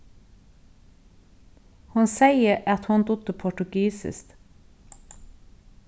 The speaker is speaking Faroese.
hon segði at hon dugdi portugisiskt